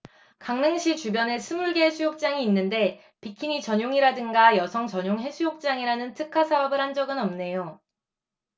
강릉시 주변에 스물 개 해수욕장이 있는데 비키니 전용이라든가 여성 전용 해수욕장이라는 특화사업을 한 적은 없네요